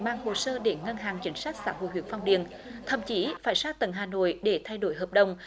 mang hồ sơ đến ngân hàng chính sách xã hội huyện phong điền thậm chí phải sang tận hà nội để thay đổi hợp đồng